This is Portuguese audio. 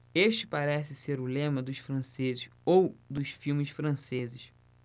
este parece ser o lema dos franceses ou dos filmes franceses